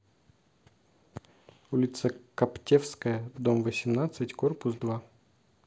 улица коптевская дом восемнадцать корпус два